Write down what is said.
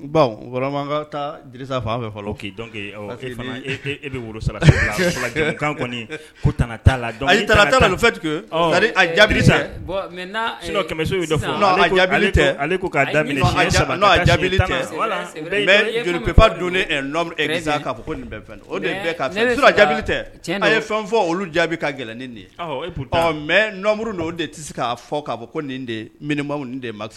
Fɛ'i e la lap don nin jaabi tɛ a ye fɛn fɔ olu jaabi ka gɛlɛn mɛ de tɛ se k'a fɔ' ko nin ma